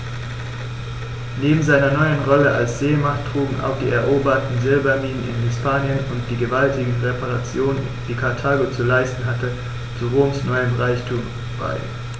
Neben seiner neuen Rolle als Seemacht trugen auch die eroberten Silberminen in Hispanien und die gewaltigen Reparationen, die Karthago zu leisten hatte, zu Roms neuem Reichtum bei.